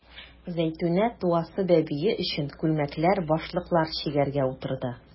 Зәйтүнә туасы бәбие өчен күлмәкләр, башлыклар чигәргә утырды.